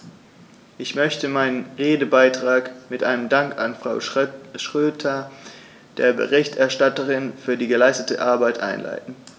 Ich möchte meinen Redebeitrag mit einem Dank an Frau Schroedter, der Berichterstatterin, für die geleistete Arbeit einleiten.